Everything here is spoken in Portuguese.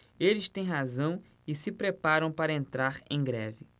eles têm razão e se preparam para entrar em greve